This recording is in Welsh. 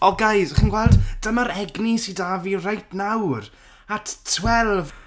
O, guys, chi'n gweld, dyma'r egni sy 'da fi reit nawr, at twelve